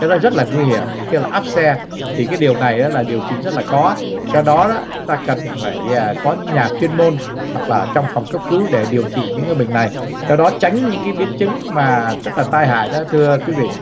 nó rất là nguy hiểm kia là áp xe thì cái điều này á là điều trị rất là khó do đó á chúng ta cần phải có những nhà chuyên môn hoặc là trong phòng cấp cứu để điều trị những bệnh này do đó tránh những biến chứng và rất là tai hại đó thưa quý vị